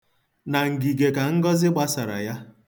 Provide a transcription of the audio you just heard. Na ngige ka Ngọzị gbasara ya.